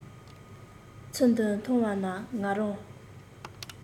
ཚུལ འདི མཐོང བ ན ང རང